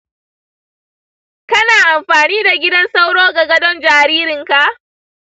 kana amfani da gidan sauro ga gadon jaririnka?